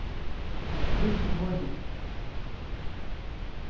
ring til mín í morgin